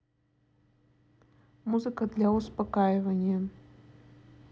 музыка для успокаивания